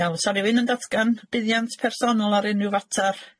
Iawn sa rywun yn datgan buddiant personol ar unrhyw fatar?